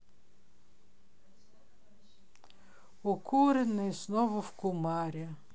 укуренные снова в кумаре